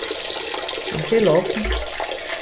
hann sigur logn